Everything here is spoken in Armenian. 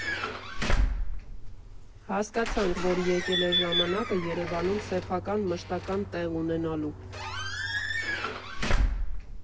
«Հասկացանք, որ եկել է ժամանակը Երևանում սեփական, մշտական տեղ ունենալու։